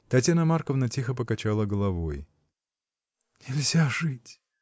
Татьяна Марковна тихо покачала головой. — Нельзя жить!